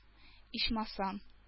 Ичмасам